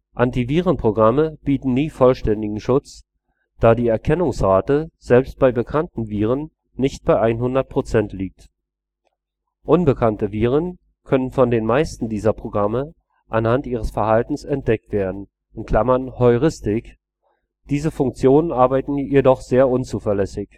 Antivirenprogramme bieten nie vollständigen Schutz, da die Erkennungsrate selbst bei bekannten Viren nicht bei 100 % liegt. Unbekannte Viren können von den meisten dieser Programme anhand ihres Verhaltens entdeckt werden („ Heuristik “); diese Funktionen arbeiten jedoch sehr unzuverlässig